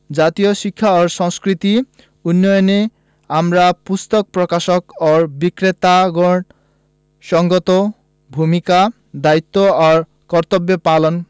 জাতীয় শিক্ষা ও সংস্কৃতি উন্নয়নে আমরা পুস্তক প্রকাশক ও বিক্রেতাগণ সঙ্গত ভূমিকা দায়িত্ব ও কর্তব্য পালন